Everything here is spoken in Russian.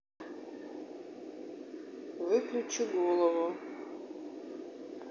выключи голову